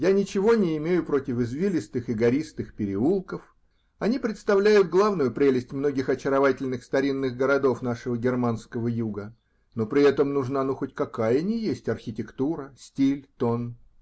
Я ничего не имею против извилистых и гористых переулков, они представляют главную прелесть многих очаровательных старинных городов нашего германского юга, но при этом нужна ну хоть какая ни есть архитектура, стиль, тон.